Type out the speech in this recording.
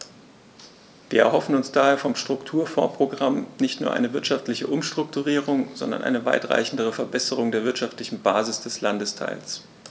Wir erhoffen uns daher vom Strukturfondsprogramm nicht nur eine wirtschaftliche Umstrukturierung, sondern eine weitreichendere Verbesserung der wirtschaftlichen Basis des Landesteils.